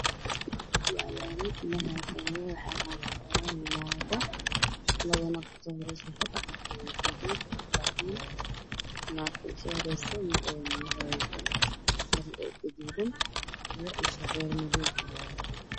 Waa laami waxaa xaqayo islaamo wataan iskoobbooyin xijaabo ayey qabaan iyo cabaayado oo midamadooda kala yihiin caddeysi qaxwi madow